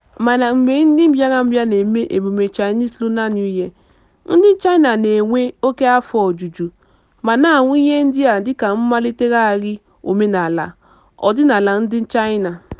Mana mgbe ndị mbịarambịa na-eme emume Chinese Lunar New Year, ndị China na-enwe oke afọ ojuju ma na-ahụ ihe ndị a dịka mmalitegharị omenala ọdịnala ndị China...